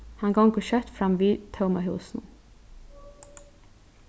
hann gongur skjótt fram við tóma húsinum